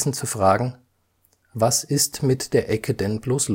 zu fragen „ Was ist mit der Ecke denn bloß